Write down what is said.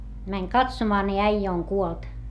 meni katsomaan niin äijä on kuollut